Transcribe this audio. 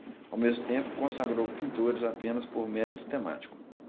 ao mesmo tempo consagrou pintores apenas por mérito temático